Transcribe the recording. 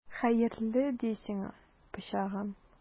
Хәерле ди сиңа, пычагым!